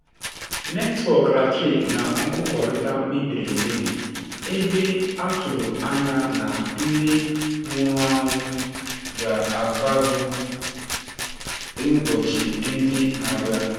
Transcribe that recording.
Netwọk latrik na nkwukọrịta mebiri emebi, ebe atụrụ anya na ndị nwụrụ anwụ ga-agbago n’ụbọchị ndị na-abịa.